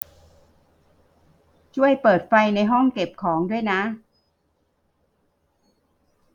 ช่วยเปิดไฟในห้องเก็บของด้วยนะ